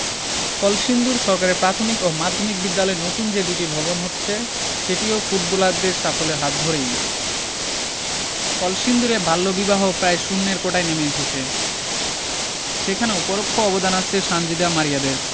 কলসিন্দুর সরকারি প্রাথমিক ও মাধ্যমিক বিদ্যালয়ে নতুন যে দুটি ভবন হচ্ছে সেটিও ফুটবলারদের সাফল্যের হাত ধরেই কলসিন্দুরে বাল্যবিবাহ প্রায় শূন্যের কোটায় নেমে এসেছে সেখানেও পরোক্ষ অবদান আছে সানজিদা মারিয়াদের